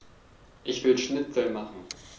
Ich will Schnitzel machen.